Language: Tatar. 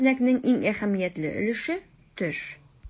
Күзәнәкнең иң әһәмиятле өлеше - төш.